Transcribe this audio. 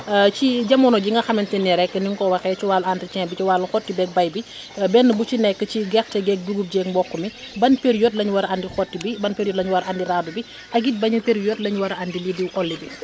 ci jamono ji nga xamante ni rek ni nga ko waxee ci wàllu entretien bi ci wàllu xotti beeg béy bi benn bu ci nekk ci gerte geeg dugub jeeg mboq mi ban période la ñu war a andi xotti bi ban période la ñu war a andi raadu bi ak it ban période la ñu war a andi lii di olli bi